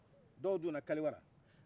dɔw donna kaluwa la